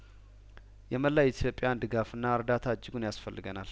የመላው ኢትዮጵያዊያን ድጋፍና እርዳታ እጅጉን ያስፈልገናል